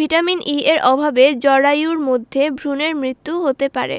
vitamin E এর অভাবে জরায়ুর মধ্যে ভ্রুনের মৃত্যুও হতে পারে